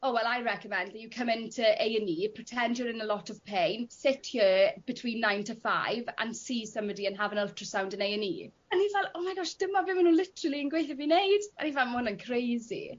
Oh well Irecommend tha; you come in to Ay an' Ee pretend you'r in a lot of pain sit here between nine to five an' see somebody an' have an ultrasound in Ay an' Ee. O'n i fel oh my gosh dyma' be' ma' nw'n literally yn gweu' 'tho fi neud a o'n i fal ma' 'wn yn crazy.